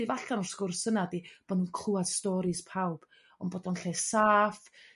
allan o'r sgwrs yna 'dy bo nhw'n cl'wad storis pawb on' bod o'n lle sâff